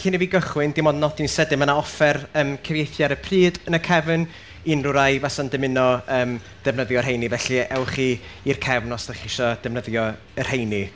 Cyn i fi gychwyn, dim ond nodi'n sydyn, ma' 'na offer yym cyfeithu ar y pryd yn y cefn i unrhyw rai fasa'n dymuno yym defnyddio'r rheini, felly ewch i i'r cefn os dach chi isio defnyddio y rheini.